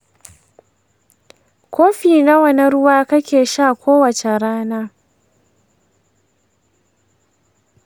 kofi nawa na ruwa kake sha kowace rana?